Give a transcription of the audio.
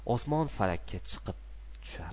osmon falakka chiqib tusharmish